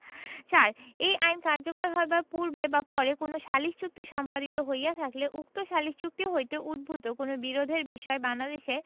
৪ এই আইন কার্যকর হইবার পূর্বে বা পরে কোন সালিস চুক্তি সম্পাদিত হইয়া থাকিলে উক্ত সালিস চুক্তি হইতে উদ্ভুত কোন বিরোধের বিষয়ে বাংলাদেশে